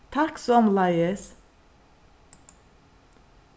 takk somuleiðis